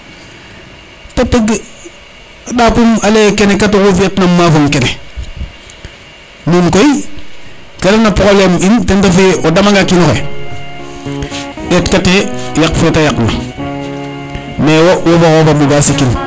te teg ndapum a leye kene kat oxu fiyat na im mafong kene nuun koy ke ref na probleme in ten refu ye o dama nga kino xe ndeet kate yaq fe te yaq na mais wo wofa xoxof a buga sikin